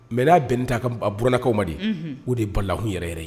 Mɛ n'a bɛn ta buranlakaw man de o de balakun yɛrɛ yɛrɛ ye